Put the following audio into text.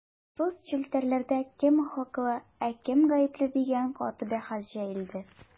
Соцчелтәрләрдә кем хаклы, ә кем гапле дигән каты бәхәс җәелде.